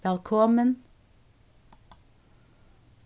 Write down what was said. vælkomin